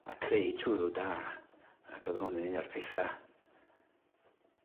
A creu twrw da ac o'dd honna'n un o'r petha